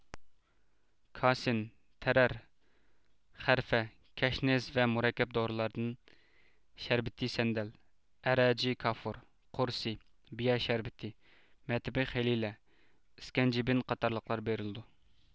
كاسىن تەررەر خەرفە كەشنىز ۋە مۇرەككەپ دورىلاردىن شەربىتى سەندەل ئەرەجى كافۇر قورسى بىيە شەربىتى مەتبىخ ھېلىلە ئىسكەنجىبىن قاتارلىقلار بېرىلىدۇ